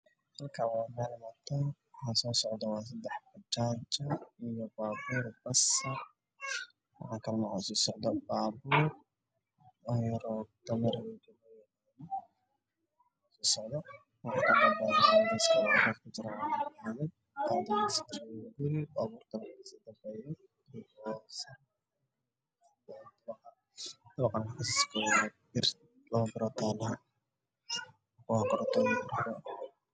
Meeshaan oo meel waddo ah xasuu socdo saddex bajaaj iyo mabur bas ah na sii socdo baabuur ka qaadan waxaan ka dambeeyay dabaqay dhaadheer